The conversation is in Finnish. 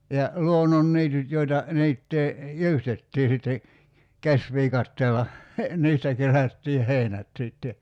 ja luonnonniityt joita niittää jyystettiin sitten käsiviikatteella niistä kerättiin heinät sitten